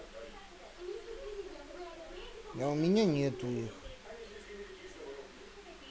а у меня нету их